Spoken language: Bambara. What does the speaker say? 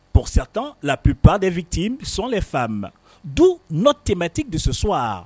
Pour certains la plupart des victimes sont les femmes d'où notre thématique de ce soir